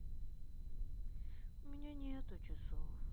у меня нету часов